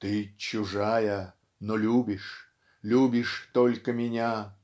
Ты чужая, но любишь, Любишь только меня.